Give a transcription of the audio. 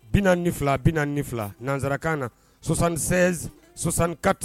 Bi ni fila bi ni fila nanzsarakan na sonsan2sɛ sɔsankati